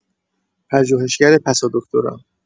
پژوهشگر پسادکتری